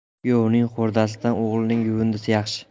kuyovning xo'rdasidan o'g'ilning yuvindisi yaxshi